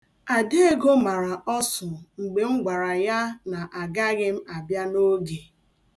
Adaego mara ọsụ mgbe m gwara ya na agaghị m abịa n'oge.